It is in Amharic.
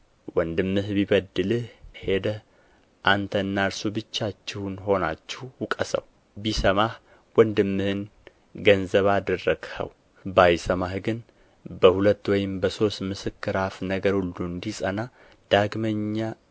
ወንድምህም ቢበድልህ ሄደህ አንተና እርሱ ብቻችሁን ሆናችሁ ውቀሰው ቢሰማህ ወንድምህን ገንዘብ አደረግኸው ባይሰማህ ግን በሁለት ወይም በሦስት ምስክር አፍ ነገር ሁሉ እንዲጸና ዳግመኛ